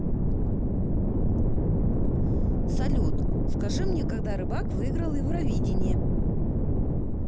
салют скажи мне когда рыбак выиграл евровидение